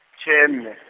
tjhe mme.